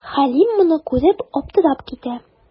Хәлим моны күреп, аптырап китә.